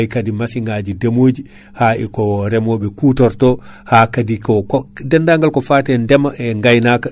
kaadi hikka walo men ngo nego yalti nde nde wonno walo men ngo ngo yaaj ha ɓurti donc non stoke wonnoɗo o o ronku huftidinde fofoof